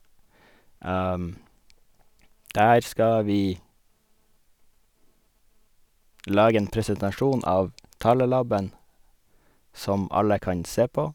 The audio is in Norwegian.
Der skal vi lage en presentasjon av tale-laben som alle kan se på.